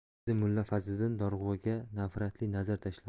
dedi mulla fazliddin dorug'aga nafratli nazar tashlab